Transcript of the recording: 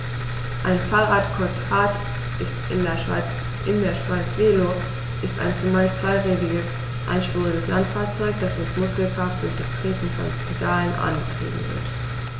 Ein Fahrrad, kurz Rad, in der Schweiz Velo, ist ein zumeist zweirädriges einspuriges Landfahrzeug, das mit Muskelkraft durch das Treten von Pedalen angetrieben wird.